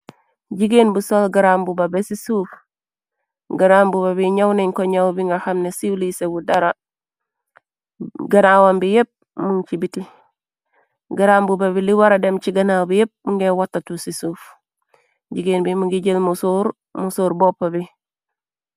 Jigéen bu sol graam buba bi ci suuf, garaam buba bi gñaw nañ ko ñaw bi nga xamne siiw liise bu dara, ganaawam bi yépp mun ci biti. Garaam buba bi li wara dem ci ganaaw bi yépp mu nga wattatul ci suuf, jigéen bi mngi jël mu soor mu sóor bopp bi.